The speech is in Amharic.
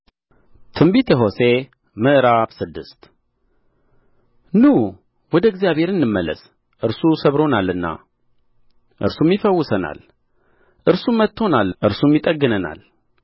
ትንቢተ ሆሴዕ ምዕራፍ ስድስት ኑ ወደ እግዚአብሔር እንመለስ እርሱ ሰብሮናልና እርሱም ይፈውሰናል እርሱ መትቶናል እርሱም ይጠግነናል